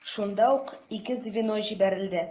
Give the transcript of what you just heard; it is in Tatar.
Шунда ук ике звено җибәрелде.